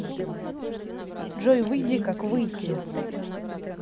джой выйди как выйти